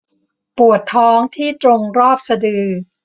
ปวดท้องที่ตรงรอบสะดือ